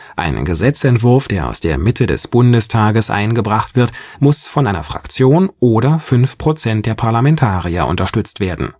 Ein Gesetzentwurf, der aus der Mitte des Bundestages eingebracht wird, muss von einer Fraktion oder 5 Prozent der Parlamentarier unterstützt werden